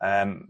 yym